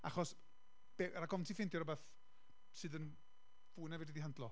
achos, be... rhag ofn i ti ffeindio rhywbeth sydd yn, fwy na fedra di handlo.